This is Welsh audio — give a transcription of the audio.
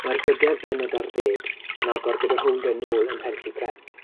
Mae'r drydedd bennod ar ddeg yn agor gyda Holden nôl yn Pencey Prep.